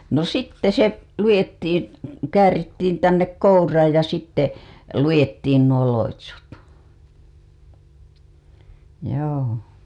no sitten se luettiin käärittiin tänne kouraan ja sitten luettiin nuo loitsut joo